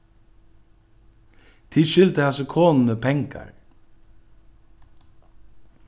tit skylda hasi konuni pengar